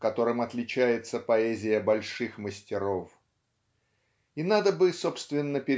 которыми отличается поэзия больших мастеров. И надо бы собственно